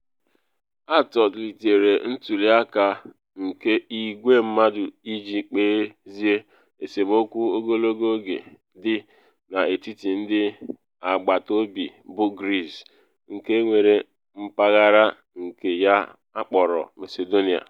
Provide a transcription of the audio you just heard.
Atọlitere ntuli aka nke igwe mmadụ iji kpezie esemokwu ogologo oge dị n’etiti ndị agbataobi bụ Greece, nke nwere mpaghara nke ya akpọrọ Macedonia.